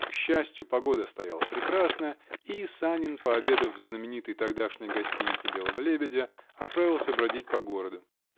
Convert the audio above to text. К счастью, погода стояла прекрасная и Санин, пообедав в знаменитой тогдашней гостинице "Белого лебедя", отправился бродить по городу.